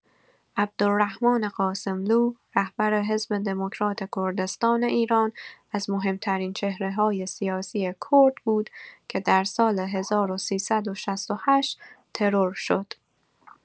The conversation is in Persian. عبدالرحمان قاسملو، رهبر حزب دموکرات کردستان ایران، از مهم‌ترین چهره‌های سیاسی کرد بود که در سال ۱۳۶۸ ترور شد.